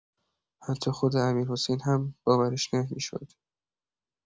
حتی خود امیرحسین هم باورش نمی‌شد.